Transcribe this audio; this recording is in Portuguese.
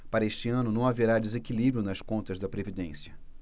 para este ano não haverá desequilíbrio nas contas da previdência